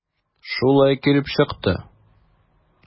Шулай килеп чыкты.